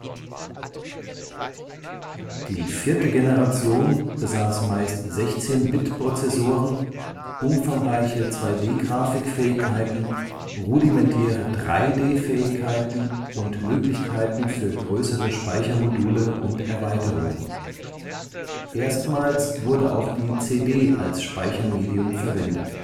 Die vierte Generation besaß meist 16-Bit-Prozessoren, umfangreiche 2D-Grafikfähigkeiten, rudimentäre 3D-Fähigkeiten und Möglichkeiten für größere Speichermodule und Erweiterungen. Erstmals wurde auch die CD als Speichermedium verwendet